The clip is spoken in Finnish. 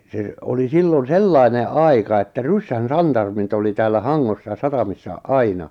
se oli silloin sellainen aika että ryssän santarmit oli täällä Hangossa satamissa aina